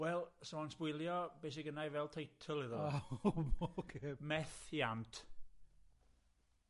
Wel, so o'n sbwylio be' sy gynna i fel teitl iddo. Oce. Meth Iant,